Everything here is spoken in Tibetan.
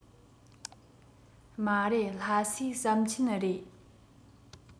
མ རེད ལྷ སའི ཟམ ཆེན རེད